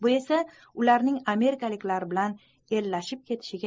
bu esa ularning amerikaliklar bilan ellashib ketishiga